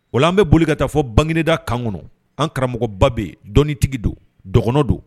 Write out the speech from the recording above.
O an bɛ boli ka taa fɔ bangda kan kɔnɔ an karamɔgɔba bɛ dɔnniitigi don dɔgɔn don